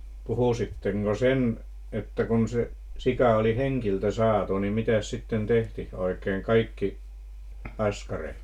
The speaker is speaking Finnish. puhuisitteko sen että kun se sika oli hengiltä saatu niin mitäs sitten tehtiin oikein kaikki askareet